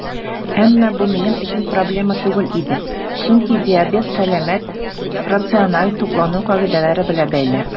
Әмма бу минем өчен проблема түгел иде, чөнки диабет сәламәт, рациональ туклану кагыйдәләре белән бәйле.